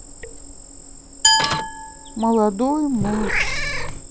молодой морс